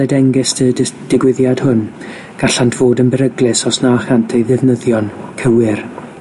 y dengyst y dys- digwyddiad hwn, gallant fod yn beryglus os na chant ei ddefnyddio'n cywir.